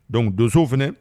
Don donsow fana